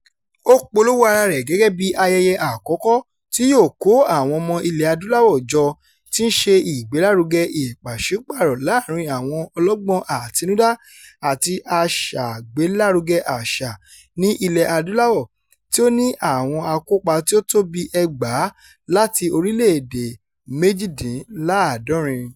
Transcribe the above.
Ó polówó araa rẹ̀ gẹ́gẹ́ bíi "ayẹyẹ àkọ́kọ́ tí yóò kó àwọn ọmọ ilẹ̀ adúláwọ̀ jọ tí ń ṣe ìgbélárugẹ ìpàṣípààrọ̀ láàárín àwọn ọlọ́gbọ́n àtinudá àti aṣàgbélárugẹ àṣà ní Ilẹ̀-Adúláwọ̀ ", tí ó ní àwọn akópa tí ó tó bíi 2,000 láti orílẹ̀-èdè 68.